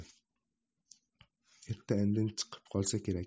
erta indin chiqib qolsa kerak